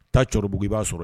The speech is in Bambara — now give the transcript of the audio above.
Taa cugu b'a sɔrɔ